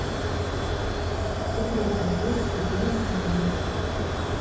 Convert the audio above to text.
секрет небес седьмая серия